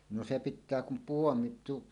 no se pitää kun puomi -